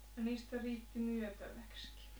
ja niistä riitti myytäväksi